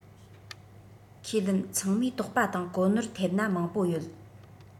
ཁས ལེན ཚང མས དོགས པ དང གོ ནོར ཐེབས ན མང པོ ཡོད